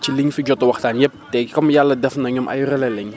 ci liñ fi jot a waxtaan yëpp tey comme yàlla def na ñoom ay relais lañ